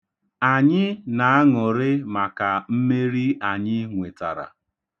Anyị na-aṅụrị maka mmeri anyị nwetara.